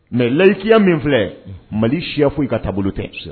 Mais layisiya min filɛ unhun Mali siya foyi ka taabolo tɛ